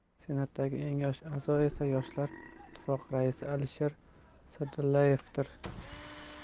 senatdagi eng yosh a'zo esa yoshlar ittifoqi raisi alisher sa'dullayevdir